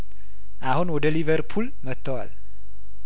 አሁን ወደ ሊቨርፑል መተዋል